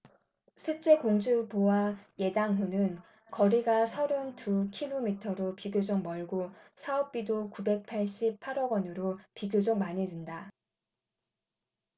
셋째 공주보와 예당호는 거리가 서른 두 키로미터로 비교적 멀고 사업비도 구백 팔십 팔 억원으로 비교적 많이 든다